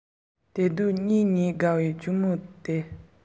སྐབས དེར ཉལ བར དགའ བའི གཅུང མོ